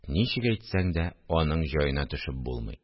Ничек әйтсәң дә, аның җаена төшеп булмый